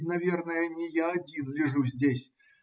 Ведь, наверное, не я один лежу здесь.